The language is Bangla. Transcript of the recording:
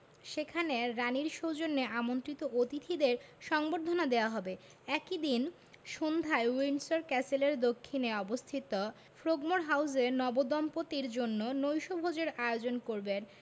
সেখানে রানির সৌজন্যে আমন্ত্রিত অতিথিদের সংবর্ধনা দেওয়া হবে একই দিন সন্ধ্যায় উইন্ডসর ক্যাসেলের দক্ষিণে অবস্থিত ফ্রোগমোর হাউসে নবদম্পতির জন্য নৈশভোজের আয়োজন করবেন